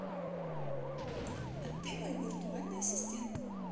а ты мой виртуальный ассистент